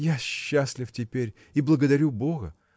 – Я счастлив теперь и благодарю бога